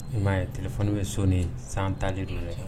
N m'a ye tile kunnafoniw bɛ so ni san tanli don